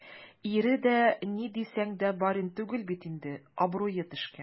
Ире дә, ни дисәң дә, барин түгел бит инде - абруе төшкән.